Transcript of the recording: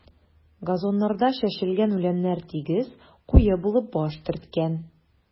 Газоннарда чәчелгән үләннәр тигез, куе булып баш төрткән.